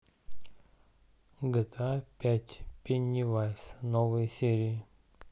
гта пять пеннивайз новые серии